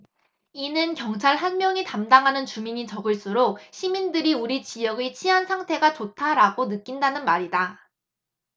이는 경찰 한 명이 담당하는 주민이 적을수록 시민들이 우리 지역의 치안 상태가 좋다라고 느낀다는 말이다